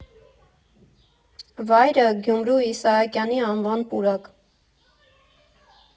Վայրը՝ Գյումրու Իսահակյանի անվան պուրակ։